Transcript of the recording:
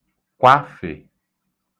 kwafè